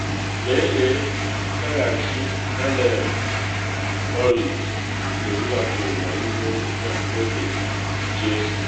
Lelee: Nsaghachi Daniel Sturridge nke Liverpool n’ime ngwụcha oge vs Chelsea